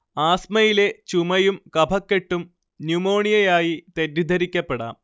ആസ്മയിലെ ചുമയും കഫക്കെട്ടും ന്യുമോണിയയായി തെറ്റിദ്ധരിക്കപ്പെടാം